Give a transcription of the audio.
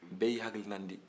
bɛɛ y'i hakina di